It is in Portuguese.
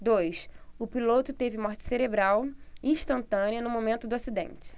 dois o piloto teve morte cerebral instantânea no momento do acidente